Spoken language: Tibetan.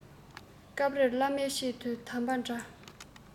སྐབས རེར བླ མས ཆེད དུ གདམས པ འདྲ